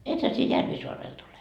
ethän sinä Järvisaarelta ole